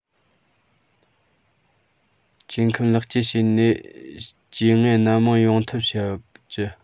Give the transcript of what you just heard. སྐྱེ ཁམས ལེགས བཅོས བྱས ནས སྐྱེ དངོས སྣ མང ཡོང ཐབས བྱ རྒྱུ